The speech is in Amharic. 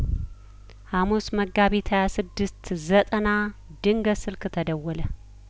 ሀሙስ መጋቢት ሀያስድስት ዘጠና ድንገት ስልክ ተደወለ